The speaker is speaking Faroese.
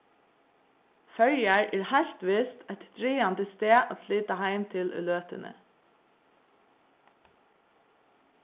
føroyar er heilt vist eitt dragandi stað at flyta heim til í løtuni